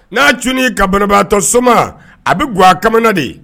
N'a cunin ka banabaatɔ soma, a bɛ ga a kamanan de